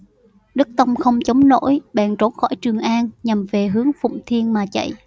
đức tông không chống nổi bèn trốn khỏi trường an nhằm về hướng phụng thiên mà chạy